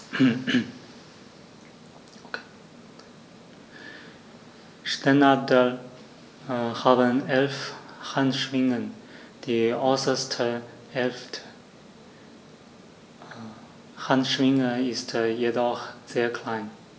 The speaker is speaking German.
Steinadler haben 11 Handschwingen, die äußerste (11.) Handschwinge ist jedoch sehr klein.